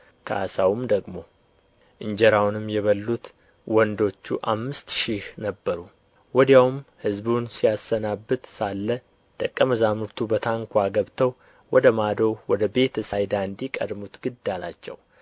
ከዓሣውም ደግሞ እንጀራውንም የበሉት ወንዶቹ አምስት ሺህ ነበሩ ወዲያውም ሕዝቡን ሲያሰናብት ሳለ ደቀ መዛሙርቱ በታንኳ ገብተው ወደ ማዶ ወደ ቤተ ሳይዳ እንዲቀድሙት ግድ አላቸው